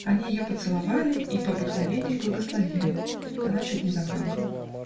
Они ее поцеловали и, по обыкновению, благословили: она чуть не заплакала.